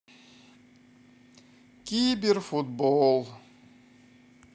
кибер футбол